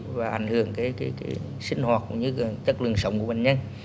và ảnh hưởng cái cái cái sinh hoạt cũng như chất lượng sống của bệnh nhân